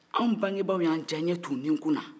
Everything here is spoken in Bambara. anw bangebaa y'an diyanye t'u nikun na